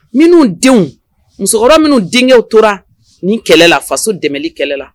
Minnu denw musokɔrɔba minnuu denkɛ tora nin kɛlɛ la faso dɛmɛ kɛlɛ la